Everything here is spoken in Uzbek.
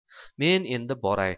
men endi boray